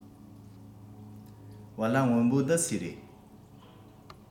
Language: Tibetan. བལ ལྭ སྔོན པོ འདི སུའི རེད